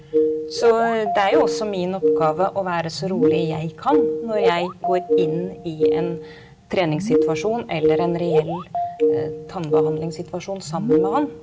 så det er jo også min oppgave å være så rolig jeg kan når jeg går inn i en treningssituasjon eller en reell tannbehandlingssituasjon sammen med han.